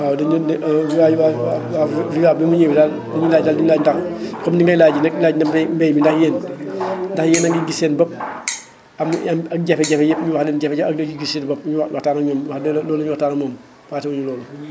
waaw dañu waay waay * bi ñëwee daal di ñu laaj daal di laaj ndax comme ni ngay laajee rek laaj na mbay mi ndax yéen ndax yéen a ngi gis seen bopp am yan ak jafe-jafe yëpp ñu wax leen jafe-jafe ak lu si gis seen bopp ñu wa waxtaan ak ñoom wax dëgg yàlla loolu la ñu waxtaan ak moom fàttewuñu loolu